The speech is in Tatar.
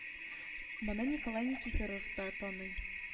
Моны николай никифоров та таный